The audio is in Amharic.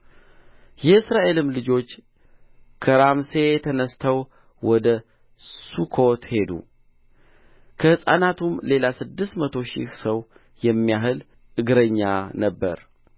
የእስራኤልም ልጆች ከራምሴ ተነሥተው ወደ ሱኮት ሄዱ ከሕፃናቱም ሌላ ስድስት መቶ ሺህ ሰው የሚያህል እግረኛ ነበረ